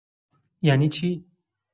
یعنی چی؟